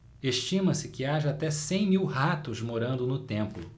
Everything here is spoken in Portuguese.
estima-se que haja até cem mil ratos morando no templo